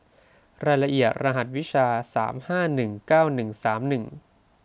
รายละเอียดรหัสวิชาสามห้าหนึ่งเก้าหนึ่งสามหนึ่ง